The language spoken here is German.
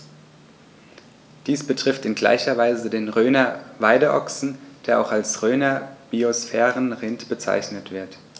Dies betrifft in gleicher Weise den Rhöner Weideochsen, der auch als Rhöner Biosphärenrind bezeichnet wird.